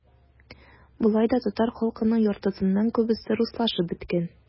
Болай да татар халкының яртысыннан күбесе - руслашып беткән.